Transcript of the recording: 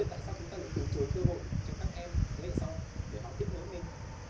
tại sao chúng ta lại từ chối cơ hội cho các em thế hệ sau để họ tiếp nối mình